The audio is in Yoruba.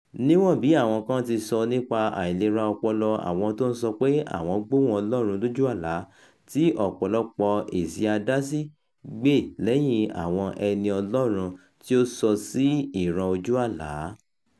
Níwọ̀n-ọn bí àwọn kan ti sọ nípa àìlera ọpọlọ àwọn t'ó ń sọ pé àwọn gbọ́hùn Ọlọ́run lójú àlá, tí ọ̀pọ̀lọpọ̀ èsì àdásí gbè lẹ́yìn àwọn ẹni Ọlọ́run tí ó sọ sí ìran ojú àlá.